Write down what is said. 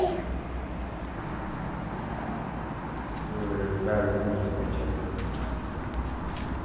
nú verður farið undir at byggja nýtt